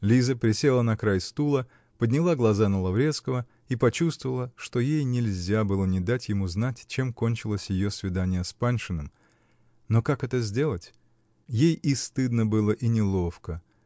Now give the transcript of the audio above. Лиза присела на край стула, подняла глаза на Лаврецкого -- и почувствовала, что ей нельзя было не дать ему знать, чем кончилось ее свидание с Паншиным. Но как это сделать? Ей и стыдно было и неловко.